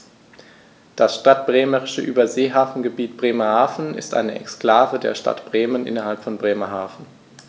Das Stadtbremische Überseehafengebiet Bremerhaven ist eine Exklave der Stadt Bremen innerhalb von Bremerhaven.